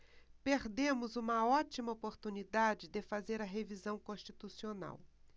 perdemos uma ótima oportunidade de fazer a revisão constitucional